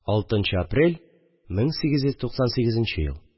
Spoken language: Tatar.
6 нчы апреля 1898 ел